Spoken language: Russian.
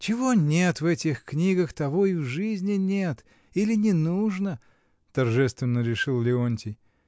— Чего нет в этих книгах, того и в жизни нет или не нужно! — торжественно решил Леонтий.